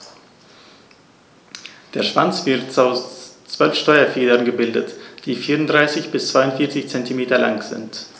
Der Schwanz wird aus 12 Steuerfedern gebildet, die 34 bis 42 cm lang sind.